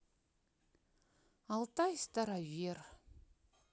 алтай старовер